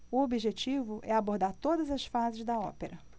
o objetivo é abordar todas as fases da ópera